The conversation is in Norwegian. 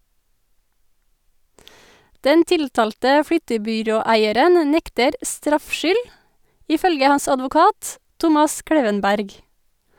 Den tiltalte flyttebyråeieren nekter straffskyld , ifølge hans advokat, Thomas Klevenberg.